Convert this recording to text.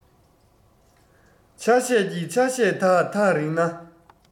ཆ ཤས ཀྱི ཆ ཤས དག ཐག རིང ན